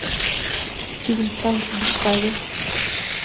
фильм танцы без правил